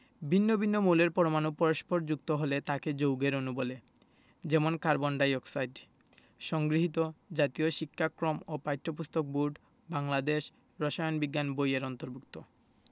ভিন্ন ভিন্ন মৌলের পরমাণু পরস্পর যুক্ত হলে তাকে যৌগের অণু বলে যেমন কার্বন ডাই অক্সাইড সংগৃহীত জাতীয় শিক্ষাক্রম ও পাঠ্যপুস্তক বোর্ড বাংলাদেশ রসায়ন বিজ্ঞান বই এর অন্তর্ভুক্ত